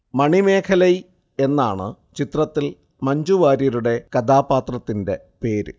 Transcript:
മണിമേഖലൈ എന്നാണ് ചിത്രത്തിൽ മഞ്ജുവാര്യരുടെ കഥാപാത്രത്തിന്റെ പേര്